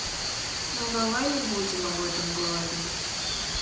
ну давай не будем об этом говорить